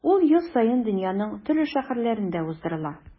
Ул ел саен дөньяның төрле шәһәрләрендә уздырыла.